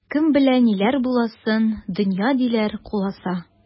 Кем белә ниләр буласын, дөнья, диләр, куласа.